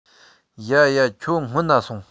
ཡ ཡ ཁྱོད སྔན ན སོང